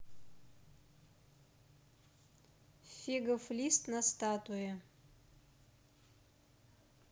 фигов лист на статуе